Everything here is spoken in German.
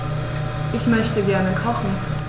Ich möchte gerne kochen.